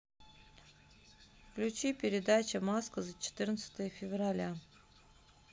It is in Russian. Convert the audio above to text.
включи передача маска за четырнадцатое февраля